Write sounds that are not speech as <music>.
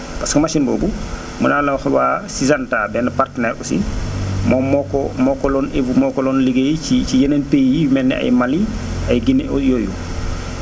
<noise> parce que machine boobu <noise> mën naa laa wax waa Syngenta benn partenaire aussi <noise> moom moo ko moom ko doon moo ko doon liggéey ci ci yeneen pays yi yu mel ne ay Mali <noise> ay Guinée o yooyu <noise>